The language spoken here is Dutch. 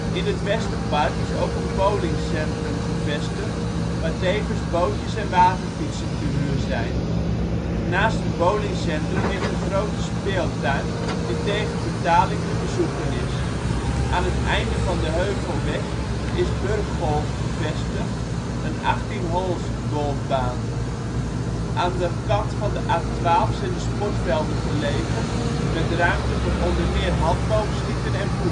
In het Westerpark is ook een bowlingcentrum gevestigd, waar tevens bootjes en waterfietsen te huur zijn. Naast het bowlingcentrum ligt een grote speeltuin, die tegen betaling te bezoeken is. Aan het einde van de Heuvelweg is Burggolf gevestigd, een 18 holes golfbaan. Aan de kant van de A12 zijn de sportvelden gelegen, met ruimte voor onder meer handboogschieten en voetbal